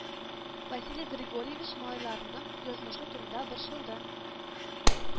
Василий Григорьевич малайларның язмышы турында борчылды